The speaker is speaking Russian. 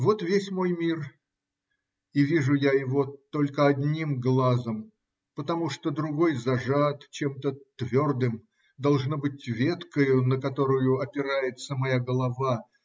вот весь мой мир, И вижу я его только одним глазом, потому что другой зажат чем-то твердым, должно быть веткою, на которую опирается моя голова.